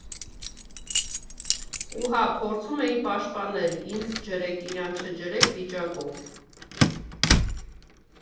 Ու հա փորձում էի պաշտպանել՝ «ինձ ջրեք, իրան չջրեք» վիճակով։